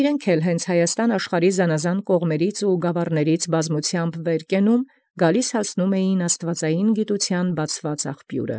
Որոց և ինքեանք իսկ ի կողմանց և ի գաւառաց Հայաստան աշխարհին յորդեալք և դրդեալք հասանէին ի բացեալ աղբիւրն գիտութեանն Աստուծոյ։